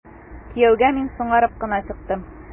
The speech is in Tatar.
Кияүгә мин соңарып кына чыктым.